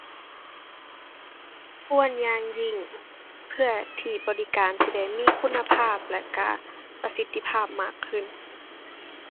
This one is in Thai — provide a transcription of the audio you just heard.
ควรอย่างยิ่ง เพื่อที่บริการสิได้มีคุณภาพแล้วก็ประสิทธิภาพมากขึ้น